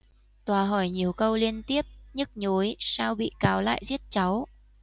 tòa hỏi nhiều câu liên tiếp nhức nhối sao bị cáo lại giết cháu